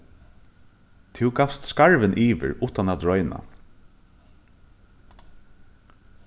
tú gavst skarvin yvir uttan at royna